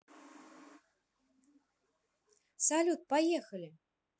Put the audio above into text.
салют поехали